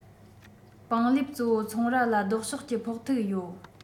པང ལེབ གཙོ བོ ཚོང ར ལ ལྡོག ཕྱོགས ཀྱི ཕོག ཐུག ཡོད